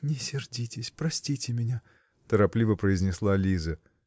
-- Не сердитесь, простите меня, -- торопливо произнесла Лиза.